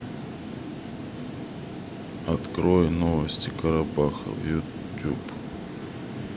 открой новости карабаха в ютуб